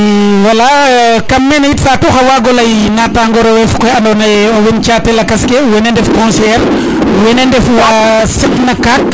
i voila kam mene yit Fatou xa wago ley nata ngo rewe ando naye nen cate lakas ke wene ndef conseillere wene ndef wa Setna 4